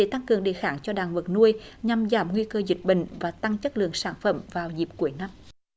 để tăng cường đề kháng cho đàn vật nuôi nhằm giảm nguy cơ dịch bệnh và tăng chất lượng sản phẩm vào dịp cuối năm